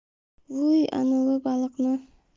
vuy anavi baliqni